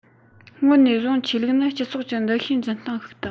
སྔོན ནས བཟུང ཆོས ལུགས ནི སྤྱི ཚོགས ཀྱི འདུ ཤེས འཛིན སྟངས ཤིག དང